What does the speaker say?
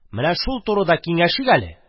Менә шул турыда киңәшик әле!.